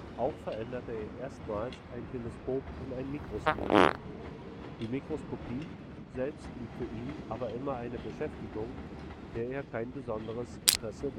Auch veränderte er erstmals ein Teleskop in ein Mikroskop. Die Mikroskopie selbst blieb für ihn aber immer eine Beschäftigung, der er kein besonderes Interesse